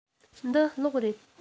འདི གློག རེད